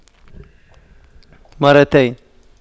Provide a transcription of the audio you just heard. مرتين